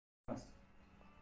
quruq qo'lga qush qo'nmas